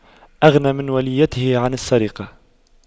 أغن من وليته عن السرقة